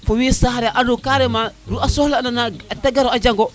fo we saxle ande carrement owu soxla na te garo a jango